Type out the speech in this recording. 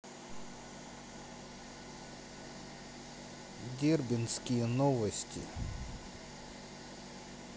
дербентские новости